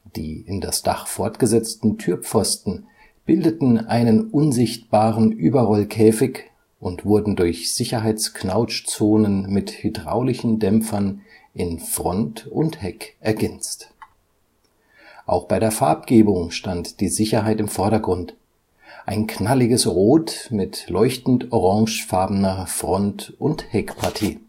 Die in das Dach fortgesetzten Türpfosten bildeten einen unsichtbaren Überrollkäfig und wurden durch Sicherheitsknautschzonen mit hydraulischen Dämpfern in Front und Heck ergänzt. Auch bei der Farbgebung stand die Sicherheit im Vordergrund: Ein knalliges Rot mit leuchtend orangefarbener Front - und Heckpartie